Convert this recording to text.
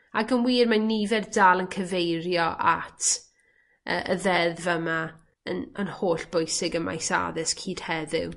ac yn wir mae nifer dal yn cyfeirio at yy y ddeddf yma yn yn hollbwysig ym maes addysg hyd heddiw.